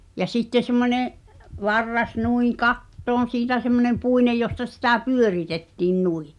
ja sitten semmoinen varras noin kattoon siitä semmoinen puinen josta sitä pyöritettiin noin